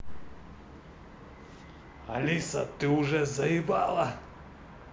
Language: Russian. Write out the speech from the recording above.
алиса ты уже заебала